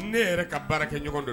Ne yɛrɛ ka baara kɛ ɲɔgɔn dɔ don.